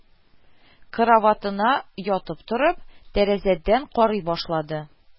Караватына ятып торып, тәрәзәдән карый башлады